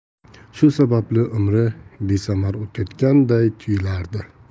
shu sababli umri besamar o'tayotganady tuyulardi